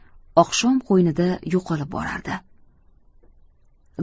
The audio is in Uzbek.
oqshom qo'ynida yo'qolib borardi